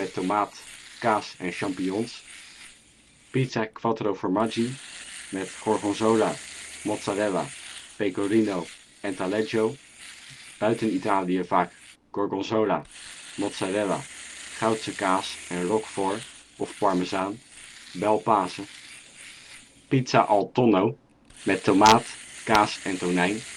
tomaat, kaas, champignons) Pizza Quattro Formaggi (gorgonzola, mozzarella, pecorino en taleggio) (buiten Italië vaak: gorgonzola, mozzarella, Goudse kaas en Roquefort of parmezaan / bel paese) Pizza al Tonno (tomaat, kaas, tonijn